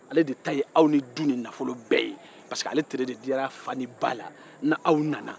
ale de ta ye aw ni du ni nafolo bɛɛ ye sabu ale de tere diyara ba ni fa la ni aw nana